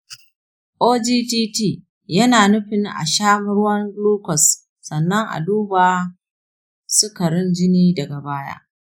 ogtt yana nufin a sha ruwan glucose sannan a duba sukarin jini daga baya.